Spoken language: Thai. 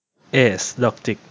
เอซดอกจิก